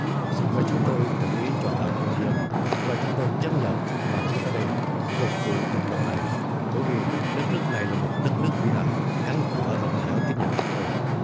và chúng tôi tự ý chọn làm công dân và chúng tôi chấp nhận và muốn ở đây phục vụ cộng đồng này bởi vì đất nước này là một đất nước vĩ đại cánh cửa rộng mở tiếp nhận chúng tôi